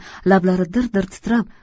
lablari dir dir titrab